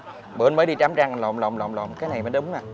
bữa anh mới đi khám răng lộn lộn lộn lộn cái này mới đúng này